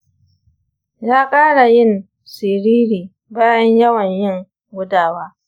ya ƙara yin siriri bayan yawan yin gudawa.